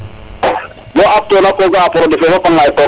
bo aptona ko ga produit fe fop a ŋay took